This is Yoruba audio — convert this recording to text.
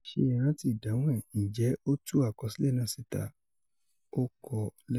Ṣé ẹ rántí ìdáhùn ẹ̀... ǹjẹ́ o tú àkọsílẹ̀ náà síta? Ó kọ lẹ́nu